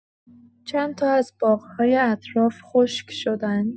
چند تا از باغ‌های اطراف خشک‌شدن.